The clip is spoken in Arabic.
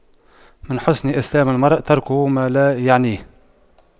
من حسن إسلام المرء تَرْكُهُ ما لا يعنيه